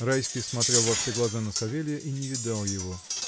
Райский смотрел во все глаза на Савелья и не видал его.